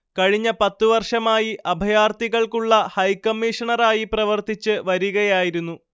കഴിഞ്ഞ പത്തുവർഷമായി അഭയാർഥികൾക്കുളള ഹൈക്കമ്മീഷണറായി പ്രവർത്തിച്ച് വരികയായിരുന്നു